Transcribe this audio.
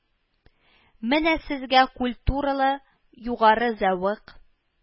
Менә сезгә культуралы, югары зәвык